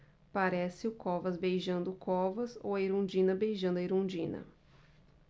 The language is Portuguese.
parece o covas beijando o covas ou a erundina beijando a erundina